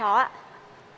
chó ạ